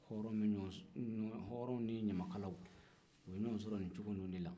hɔrɔnw ni ɲamakaw u bɛ ɲɔgɔn sɔrɔ nin cogo in de la